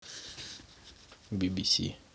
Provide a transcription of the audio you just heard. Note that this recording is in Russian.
би би си